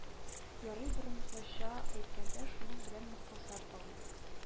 Ярый борынгыча әйткәндә шуның белән мохтасар кылыйк